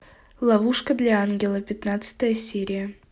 ловушка для ангела пятнадцатая серия